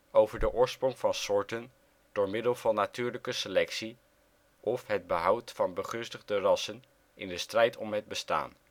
Over de oorsprong van soorten door middel van natuurlijke selectie, of: het behoud van begunstigde rassen in de strijd om het bestaan